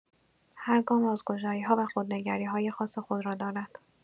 هر گام رازگشایی‌ها و خودنگری‌های خاص خود را دارد.